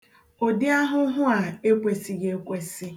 Ụdị ahụhụ a ekwesighị ekwesi.